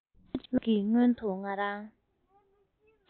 ལོ གཅིག གི སྔོན དུ ང རང